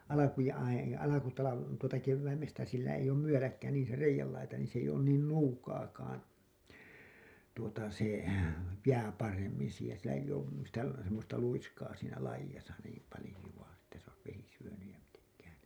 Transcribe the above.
alkujaan - alku tuota keväästä sillä ei ole myöläkkä niin se reiänlaita niin se ei ole nuukaakaan tuota se jää paremmin siihen sillä ei ole sitä semmoista luiskaa siinä laidassa niin paljoa että se olisi vesi syönyt ja mitenkään